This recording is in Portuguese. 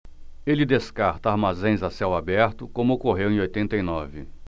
ele descarta armazéns a céu aberto como ocorreu em oitenta e nove